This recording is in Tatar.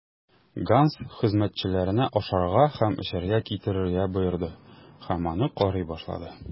Ганс хезмәтчеләренә ашарга һәм эчәргә китерергә боерды һәм аны карый башлады.